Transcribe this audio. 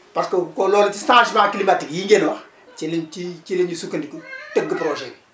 parce que loolu si changement climatique yi ngeen wax ci lañ ci ci lañu sukkandiku tëgg projet bi